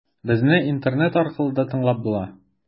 Безне интернет аркылы да тыңлап була.